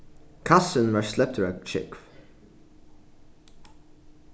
kassin varð sleptur á sjógv